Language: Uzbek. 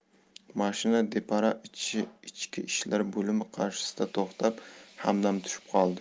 mashina depara ichki ishlar bo'limi qarshisida to'xtab hamdam tushib qoldi